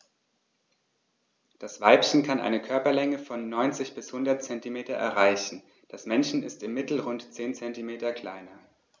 Das Weibchen kann eine Körperlänge von 90-100 cm erreichen; das Männchen ist im Mittel rund 10 cm kleiner.